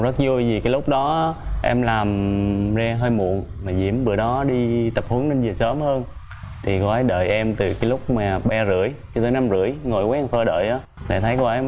rất vui vì lúc đó em làm ra hơi muộn mà diễm bữa đó đi tập huấn nên về sớm hơn thì cô ấy đợi em từ lúc mười ba rưỡi cho tới năm rưỡi ngồi quán phơ đợi á thì thấy cô ấy